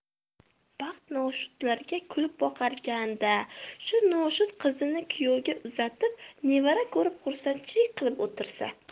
baxt noshudlarga kulib boqarkan da shu noshud qizini kuyovga uzatib nevara ko'rib xursandchilik qilib o'tirsa